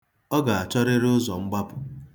Ọ ga-achọrịrị ụzọ mgbapụ.